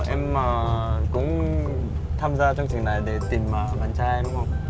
em à cũng tham gia chương trình này để tìm à bạn trai đúng không